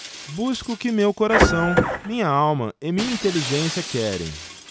busco o que meu coração minha alma e minha inteligência querem